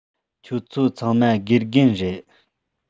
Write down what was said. ཁྱོད ཚོ ཚང མ དགེ རྒན རེད